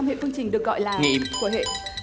hệ phương trình gọi là của hệ